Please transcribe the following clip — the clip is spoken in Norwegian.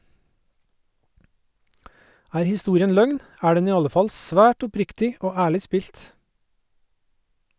Er historien løgn , er den i alle fall svært oppriktig og ærlig spilt.